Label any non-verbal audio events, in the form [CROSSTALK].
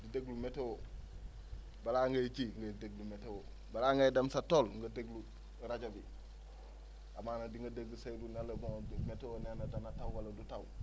di déglu météo balaa ngay ji ngay déglu météo balaa ngay dem sa tool nga déglu rajo bi amaana di nga dégg Seydou ne la bon [NOISE] météo nee na dina taw wala du taw